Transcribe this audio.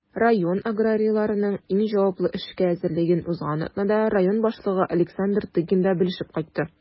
Район аграрийларының иң җаваплы эшкә әзерлеген узган атнада район башлыгы Александр Тыгин да белешеп кайтты.